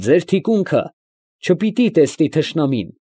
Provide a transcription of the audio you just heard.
Ձեր թիկունքը չպիտի տեսնի թշնամին։